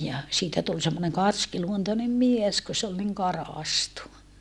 ja siitä tuli semmoinen karskiluontoinen mies kun se oli niin karaistu